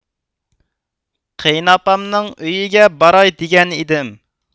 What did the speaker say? قېيىنئاپامنىڭ ئۆيگە باراي دېگەن ئىدىم